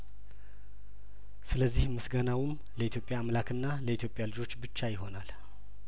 ስለዚህምስጋናውም ለኢትዮጵያ አምላክና ለኢትዮጵያ ልጆች ብቻ ይሆናል